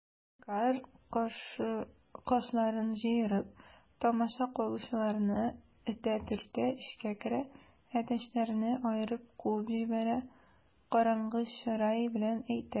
Макар, кашларын җыерып, тамаша кылучыларны этә-төртә эчкә керә, әтәчләрне аерып куып җибәрә, караңгы чырай белән әйтә: